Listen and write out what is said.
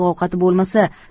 ovqati bo'lmasa